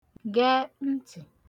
gẹ ntị̀